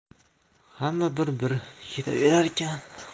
hamma bir bir ketaverarkan